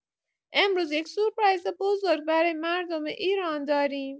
امروز یک سورپرایز بزرگ برای مردم ایران داریم.